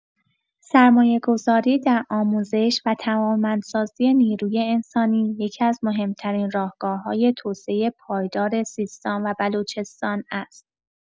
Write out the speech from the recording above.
سرمایه‌گذاری در آموزش و توانمندسازی نیروی انسانی، یکی‌از مهم‌ترین راهکارهای توسعه پایدار سیستان و بلوچستان است.